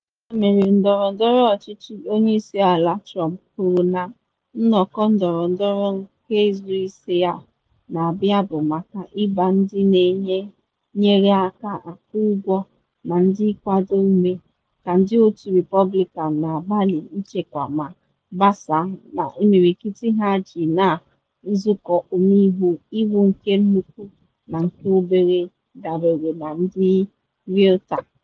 Ya mere, ndọrọndọrọ ọchịchị Onye Isi Ala Trump kwuru na nnọkọ ndọrọndọrọ nke izu ise a na-abịa bụ maka “ịgba ndị na-enyere aka akwụ ụgwọ na ndị nkwado ume, ka ndị otu Repọblikan na-agbalị ichekwa ma gbasaa na ịmịrịkịtị ha ji na Nzụkọ Ọmeiwu Iwu nke Nnukwu na nke Obere” dabere na ndị Reuter.